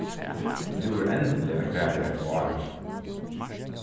nú er endiliga farið at vára